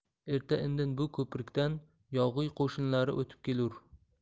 erta indin bu ko'prikdan yog'iy qo'shinlari o'tib kelur